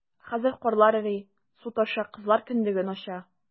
Хәзер карлар эри, су таша - кызлар кендеген ача...